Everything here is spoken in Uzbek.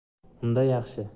unda yaxshi